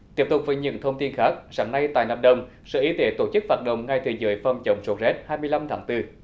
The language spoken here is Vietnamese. tiếp tục với những thông tin khác sáng nay tại lâm đồng sở y tế tổ chức vận động ngày thế giới phòng chống sốt rét hai mươi lăm tháng tư